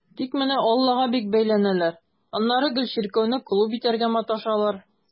Тик менә аллага бик бәйләнәләр, аннары гел чиркәүне клуб итәргә маташалар.